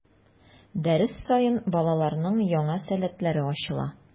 Дәрес саен балаларның яңа сәләтләре ачыла.